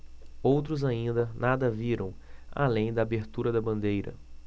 outros ainda nada viram além da abertura da bandeira